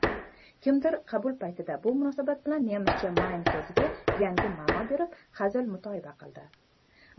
kimdir qabul marosimida shu munosabat bilan nemischa mayn so'ziga yangi ma'no berib hazil mutoyiba bilan dedi